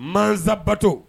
Masabato